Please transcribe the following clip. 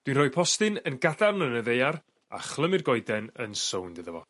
Dwi'n roi postyn yn gadarn yn y ddaear a chlymu'r goeden yn sownd iddo fo.